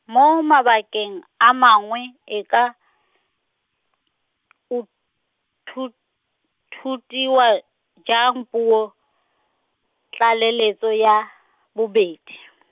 mo mabakeng a mangwe e ka, uthut-, -thutiwa jang puo, tlaleletso ya, bobedi.